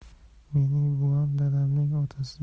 mening buvam dadamning